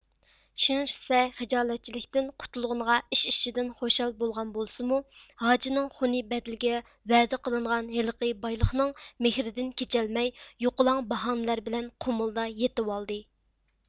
شىڭ شىسەي خىجالەتچىلىكتىن قۇتۇلغىنىغا ئىچ ئىچىدىن خۇشال بولغان بولسىمۇ ھاجىنىڭ خۇنى بەدىلىگە ۋەدە قىلىنغان ھېلىقى بايلىقنىڭ مېھرىدىن كېچەلمەي يوقىلاڭ باھانىلەر بىلەن قۇمۇلدا يېتىۋالدى